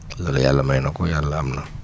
loolu yàlla may na ko yàlla am na